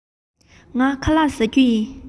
ངས ཁ ལག བཟས མེད